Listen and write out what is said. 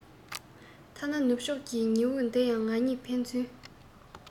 ཐ ན ནུབ ཕྱོག ཀྱི ཉི འོད འདི ཡང ང གཉིས ཕན ཚུན